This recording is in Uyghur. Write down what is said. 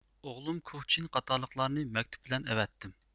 ئوغلۇم كۇخجىن قاتارلىقلارنى مەكتۇپ بىلەن ئەۋەتتىم